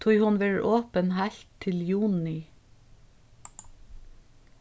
tí hon verður opin heilt til juni